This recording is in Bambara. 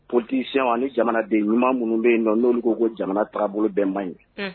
Pdisiyɛn ni jamanaden ɲuman minnu bɛ yen nɔ n'olu ko ko jamana t bɛɛ man ye